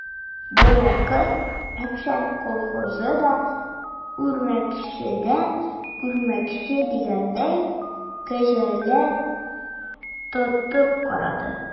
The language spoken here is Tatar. Бервакыт «Әпшән» колхозы да, үрмәкчедән күрмәкче дигәндәй, кәҗәләр тотып карады.